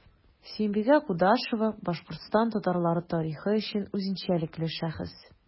Сөембикә Кудашева – Башкортстан татарлары тарихы өчен үзенчәлекле шәхес.